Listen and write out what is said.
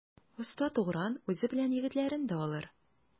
Оста Тугран үзе белән егетләрен дә алыр.